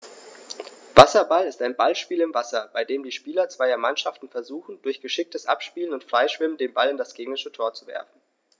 Wasserball ist ein Ballspiel im Wasser, bei dem die Spieler zweier Mannschaften versuchen, durch geschicktes Abspielen und Freischwimmen den Ball in das gegnerische Tor zu werfen.